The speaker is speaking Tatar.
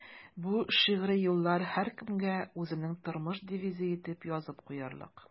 Бу шигъри юллар һәркемгә үзенең тормыш девизы итеп язып куярлык.